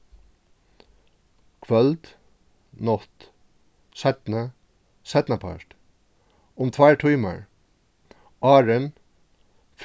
kvøld nátt seinni seinnapart um tveir tímar áðrenn